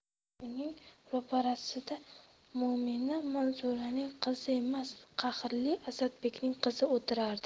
uning ro'parasida mo''mina manzuraning qizi emas qahrli asadbekning qizi o'tirardi